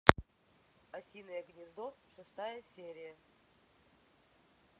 осиное гнездо шестая серия